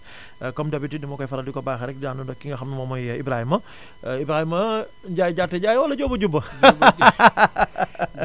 comme d' habitude ni ma koy faral di ko baaxee rek di àndandoo ki nga xam ne moom mooy Ibrahima Ibrahima Ndiaye jaata Ndiaye wala Jóoba jubba